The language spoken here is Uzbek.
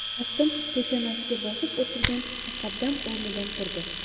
kaftim peshanasiga bosib o'tirgan muqaddam o'rnidan turdi